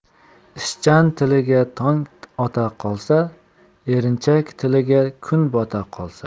ishchan tilagi tong ota qolsa erinchak tilagi kun bota qolsa